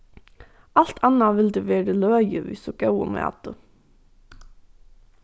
alt annað vildi verið løgið við so góðum mati